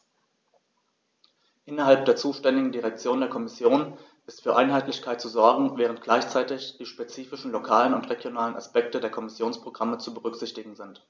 Innerhalb der zuständigen Direktion der Kommission ist für Einheitlichkeit zu sorgen, während gleichzeitig die spezifischen lokalen und regionalen Aspekte der Kommissionsprogramme zu berücksichtigen sind.